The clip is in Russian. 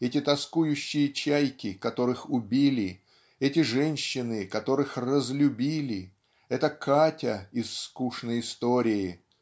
эти тоскующие чайки, которых убили, эти женщины, которых разлюбили, эта Катя из "Скучной истории"